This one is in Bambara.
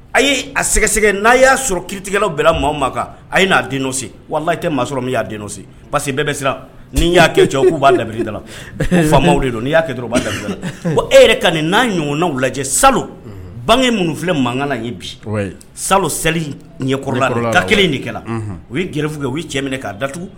A' a sɛgɛsɛgɛ n'a y'a sɔrɔ kitigɛkɛlawlaw bɛɛla maa ma kan a ye n'a denmusose wari tɛ maa sɔrɔ min'a dense pa parce que bɛɛ bɛ siran' y'a kɛ jɔ k' b'a labi da la faama de don n'i y'a turaba da e yɛrɛ ka nin n'a ɲɔgɔnna lajɛ sa bange minnu filɛ mankanka na ye bi sa seli ɲɛ da kelen de kɛ u ye gf kɛ u ye cɛ minɛ k'a daugu